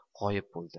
g'oyib bo'ldi